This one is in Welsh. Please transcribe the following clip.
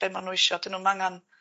be' ma' n'w isio 'dyn nw'm angan